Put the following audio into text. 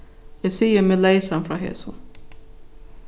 eg sigi meg leysan frá hesum